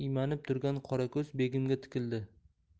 iymanib turgan qorako'z begimga tikildi